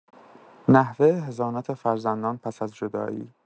نحوه حضانت فرزندان پس از جدایی